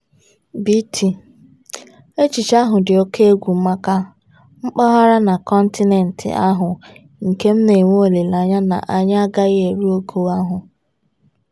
BT: Echiche ahụ dị oke egwu maka mpaghara na kọntinent ahụ nke m na-enwe olileanya na anyị agaghị eru ogo ahụ.